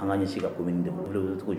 An ka ni sigi ka ko min tɛ cogo